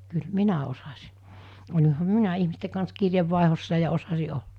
kyllä minä osasin olihan minä ihmisten kanssa kirjeenvaihdossa ja osasin olla